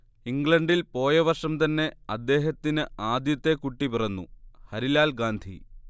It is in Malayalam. ഇംഗ്ലണ്ടിൽ പോയ വർഷം തന്നെ അദ്ദേഹത്തിന് ആദ്യത്തെ കുട്ടി പിറന്നു ഹരിലാൽ ഗാന്ധി